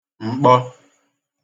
m̀kpọ